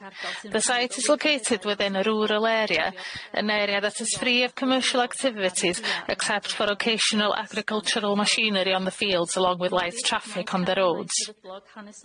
The site is located within a rural area, an area that is free of commercial activities except for occasional agricultural machinery on the fields along with light traffic on the roads.